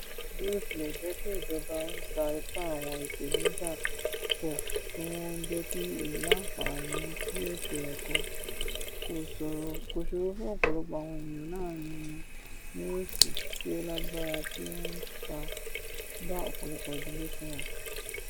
Bí ó tilẹ̀ jẹ́ pé ìjọba ń sa ipá, àwọn ìpèníjà pọ̀ tí wọ́n ń jẹ́ kí ìláǹfààní sí ètò ẹ̀kọ́ kó ṣòro fún ọ̀pọ̀lọpọ̀ àwọn ènìyàn, láàárín wọn ni òsì tí ó lágbára tí ó ń bá ọ̀pọ̀lọpọ̀ ìdílé fínra.